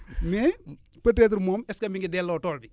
mais peut être moom est ce que mi ngi delloo tool bi